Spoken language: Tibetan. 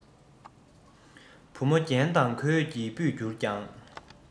བུ མོ རྒྱན དང གོས ཀྱིས སྤུད གྱུར ཀྱང